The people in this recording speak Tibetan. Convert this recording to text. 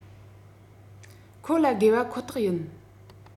ཁོ ལ དགོས པ ཁོ ཐག ཡིན